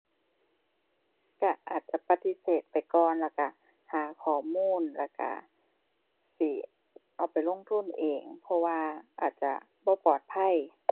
ก็อาจจะปฏิเสธไปก่อนแล้วก็ หาข้อมูล แล้วก็ สิเอาไปลงทุนเอง เพราะว่า อาจจะบ่ปลอดภัย